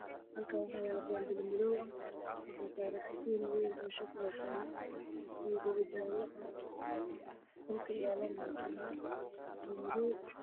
Waa boonbalo midabkiisu waa madow